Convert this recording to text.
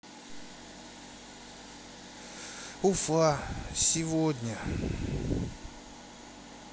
уфа сегодня